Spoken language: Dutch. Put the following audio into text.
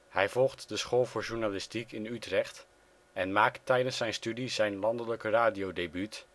Hij volgt de School voor Journalistiek in Utrecht en maakt tijdens zijn studie zijn landelijke radiodebuut